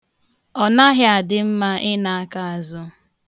Ọ naghị adị mma ịna akaazụ